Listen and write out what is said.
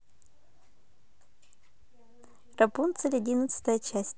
рапунцель одиннадцатая часть